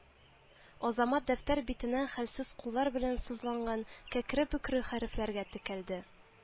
Азамат дәфтәр битенә хәлсез куллар белән сызгаланган кәкере-бөкере хәрефләргә текәлде